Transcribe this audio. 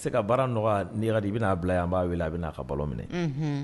N bɛ se ka baara nɔgɔ, n'i a ka d'i ye i bɛ n'a bila yan, an b'a wele a bɛ n'a ka balo minɛ; Unhun.